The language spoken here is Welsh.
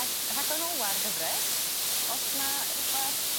Ag rhaglen ola'r gyfres os 'na rwbath